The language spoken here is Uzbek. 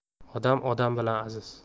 odam odam bilan aziz